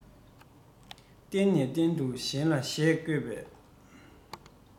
གཏན ནས གཏན དུ གཞན ལ བཤད དགོས པའི